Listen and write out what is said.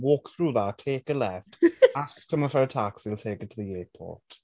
Walk through that, take a left ask someone for a taxi and take it to the airport.